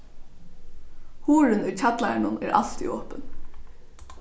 hurðin í kjallaranum er altíð opin